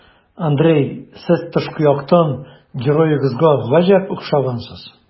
Андрей, сез тышкы яктан героегызга гаҗәп охшагансыз.